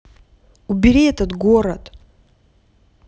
убери этот город